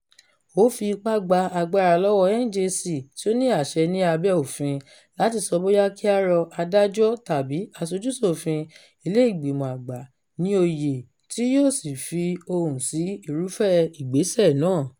Ó fi ipá gba agbára lọ́wọ́ NJC tí ó ní àṣẹ ní abẹ́ òfin láti sọ bóyá kí a rọ adájọ́ tàbí aṣojú-ṣòfin (ilé ìgbìmọ̀ àgbà) ní oyè, tí yóò sì fi ohùn sí irúfẹ́ ìgbésẹ̀ náà.